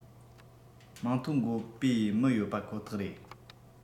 མིང ཐོ བཀོད པའི མི ཡོད པ ཁོ ཐག རེད